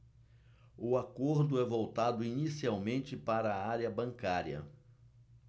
o acordo é voltado inicialmente para a área bancária